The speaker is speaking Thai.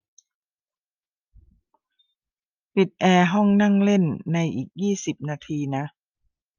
ปิดแอร์ห้องนั่งเล่นในอีกยี่สิบนาทีนะ